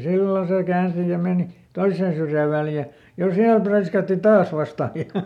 silloin se käänsi ja meni toiseen syrjään Väljään ja siellä präiskäytti taas vasta ja